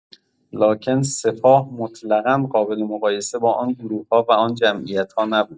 لکن سپاه مطلقا قابل‌مقایسه با آن گروه‌ها و آن جمعیت‌ها نبود.